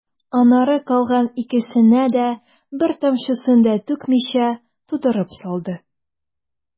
Аннары калган икесенә дә, бер тамчысын да түкмичә, тутырып салды.